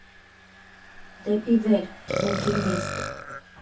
«Դեպի վեր», «Բուկինիստ»